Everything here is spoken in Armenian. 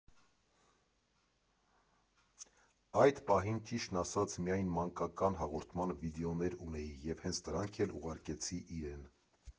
Այդ պահին, ճիշտն ասած, միայն մանկական հաղորդման վիդեոներ ունեի և հենց դրանք էլ ուղարկեցի իրեն։